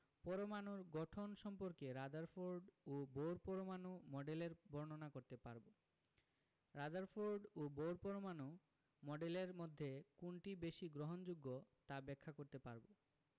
পরমাণুর গঠন সম্পর্কে রাদারফোর্ড ও বোর পরমাণু মডেলের বর্ণনা করতে পারব রাদারফোর্ড ও বোর পরমাণু মডেলের মধ্যে কোনটি বেশি গ্রহণযোগ্য তা ব্যাখ্যা করতে পারব